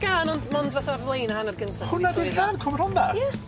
gân ond mond fath o flaen y hanner gynta... Hwnna 'di'r cân Cwm Rhondda? Ie.